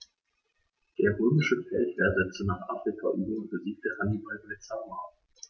Der römische Feldherr setzte nach Afrika über und besiegte Hannibal bei Zama.